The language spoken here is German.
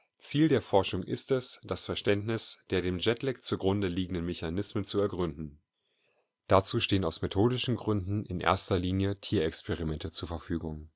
Ziel der Forschung ist es, das Verständnis der dem Jetlag zugrunde liegenden Mechanismen zu ergründen. Dazu stehen aus methodischen Gründen in erster Linie Tierexperimente zur Verfügung